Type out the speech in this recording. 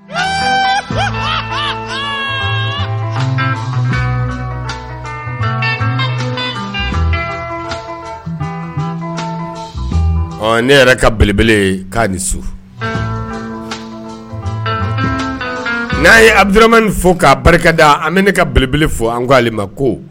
Ne yɛrɛ ka belebele k'a ni su n'a ye adurlimanin fo k'a barikada an bɛ ne ka belebele fo an ko a ma ko